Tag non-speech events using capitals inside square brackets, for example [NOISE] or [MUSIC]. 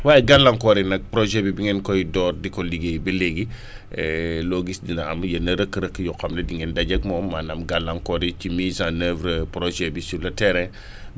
waaye gàllankoor yi nag projet bi bi ngeen koy door di ko liggéey ba léegi [BREATH] et [HESITATION] loo gis dina am yenn rëkk-rëkk yoo xam ne di ngeen dajeeg moom maanaam gàllankoor yi ci mise en oeuvre projet bi sur le terrain [BREATH]